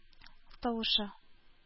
Тавышы